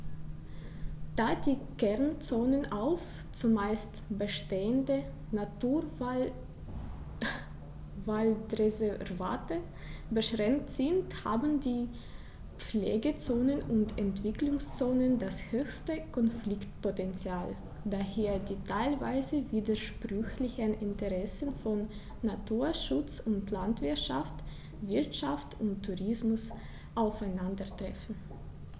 Da die Kernzonen auf – zumeist bestehende – Naturwaldreservate beschränkt sind, haben die Pflegezonen und Entwicklungszonen das höchste Konfliktpotential, da hier die teilweise widersprüchlichen Interessen von Naturschutz und Landwirtschaft, Wirtschaft und Tourismus aufeinandertreffen.